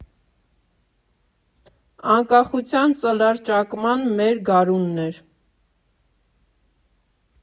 Անկախության ծլարձակման մեր գարունն էր։